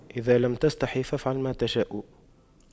اذا لم تستحي فأفعل ما تشاء